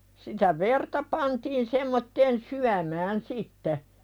sitä verta pantiin semmoiseen syömään sitten